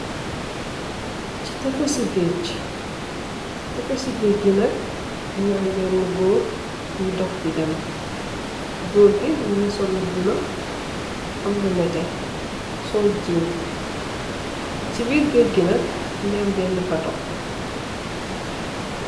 Si tefesi geege, tefesi geege gi nak, mu ngi am beenë Goor buy dox di dem, goor mu ngi sol lu bulo, am lu nétté, sol jiin. Ci biir geege gi nak, mu ngi beenë batto.